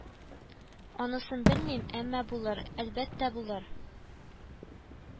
Анысын белмим, әмма булыр, әлбәттә булыр